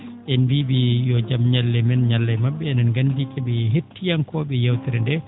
en mbii ?e yo jam ñalle men ñalla e ma??e enen ngandi ko ?e hettiyankoo?e yeewtere ndee